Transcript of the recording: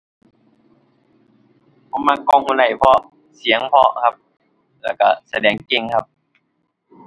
ผมมักก้อง ห้วยไร่ เพราะเสียงเพราะครับ แล้วก็แสดงเก่งครับ